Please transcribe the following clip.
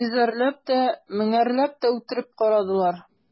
Йөзәрләп тә, меңәрләп тә үтереп карадылар.